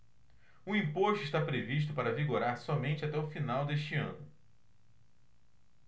o imposto está previsto para vigorar somente até o final deste ano